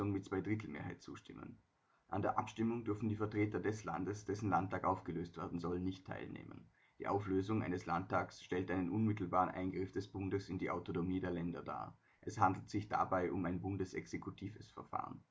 mit Zweidrittelmehrheit zustimmen. An der Abstimmung dürfen die Vertreter des Landes, dessen Landtag aufgelöst werden soll, nicht teilnehmen. Die Auflösung eines Landtages stellt einen unmittelbaren Eingriff des Bundes in die Autonomie der Länder dar. Es handelt sich dabei um ein bundesexekutives Verfahren